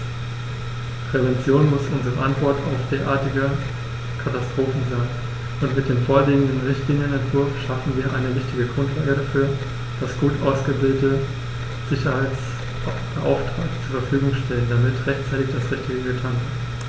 Prävention muss unsere Antwort auf derartige Katastrophen sein, und mit dem vorliegenden Richtlinienentwurf schaffen wir eine wichtige Grundlage dafür, dass gut ausgebildete Sicherheitsbeauftragte zur Verfügung stehen, damit rechtzeitig das Richtige getan wird.